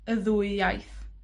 y ddwy iaith.